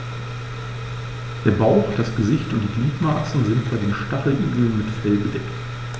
Der Bauch, das Gesicht und die Gliedmaßen sind bei den Stacheligeln mit Fell bedeckt.